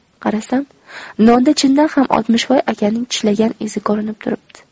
qarasam nonda chindan ham oltmishvoy akaning tishlagan izi ko'rinib turibdi